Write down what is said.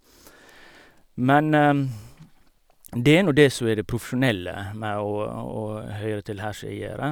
Men det er nå det som er det profesjonelle med å å høre til her som jeg gjør.